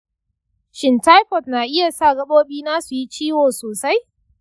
shin taifoid na iya sa gaɓoɓi na su yi ciwo sosai?